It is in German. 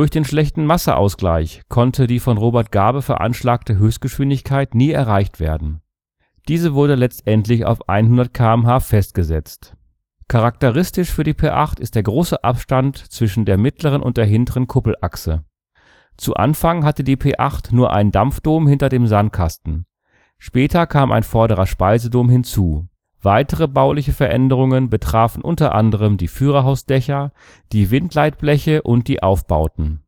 den schlechten Masseausgleich konnte die von Robert Garbe veranschlagte Höchstgeschwindigkeit nie erreicht werden. Diese wurde letztendlich auf 100 km/h festgesetzt. Charakteristisch für die P 8 ist der größere Abstand zwischen der mittleren und der hinteren Kuppelachse. Zu Anfang hatte die P 8 nur einen Dampfdom hinter dem Sandkasten, später kam ein vorderer Speisedom hinzu. Weitere bauliche Veränderungen betrafen u. a. die Führerhausdächer, die Windleitbleche, die Aufbauten